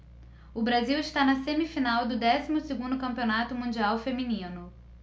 o brasil está na semifinal do décimo segundo campeonato mundial feminino